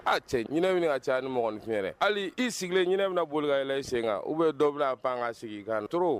A cɛ ɲinɛn bɛ ɲini ka caya ni mɔgɔninfin ye dɛ hali i sigilen ɲinɛn bɛna boli ka yɛlɛn i sen kan ou bien dɔ bɛna pan ka sigi kan trop